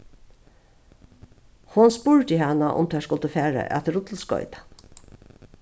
hon spurdi hana um tær skuldu fara at rulliskoyta